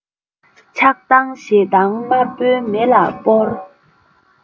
ཆགས སྡང ཞེ སྡང དམར པོའི མེ ལ སྤོར